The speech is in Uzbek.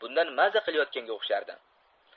bundan maza qilayotganga o'xshardi